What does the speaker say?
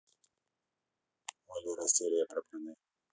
валера серия про блины